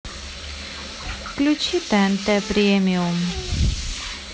включи тнт премиум